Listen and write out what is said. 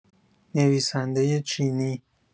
نویسنده چینی